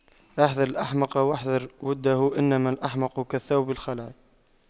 احذر الأحمق واحذر وُدَّهُ إنما الأحمق كالثوب الْخَلَق